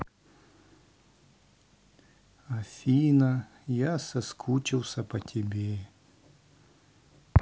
афина я соскучился по тебе